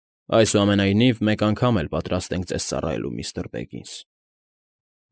Այսուամենայնիվ, մեկ անգամ էլ պատրաստ ենք ձեզ ծառայելու, միստր Բեգինս։